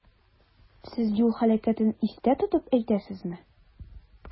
Сез юл һәлакәтен истә тотып әйтәсезме?